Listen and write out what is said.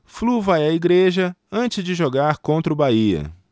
flu vai à igreja antes de jogar contra o bahia